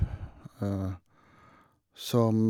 Som...